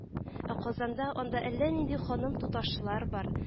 Ә Казанда анда әллә нинди ханым-туташлар бар